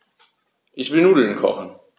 Ich will Nudeln kochen.